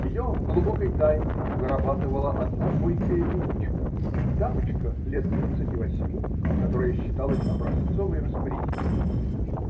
Ее в глубокой тайне вырабатывала одна бойкая медичка, дамочка лет двадцати восьми, которая считалась образцовой распорядительницей.